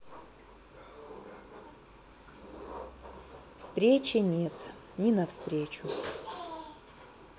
встречи нет не навстречу